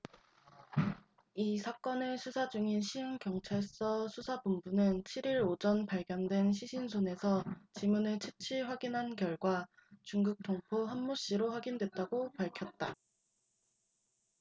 이 사건을 수사 중인 시흥경찰서 수사본부는 칠 일 오전 발견된 시신 손에서 지문을 채취 확인한 결과 중국 동포 한모씨로 확인됐다고 밝혔다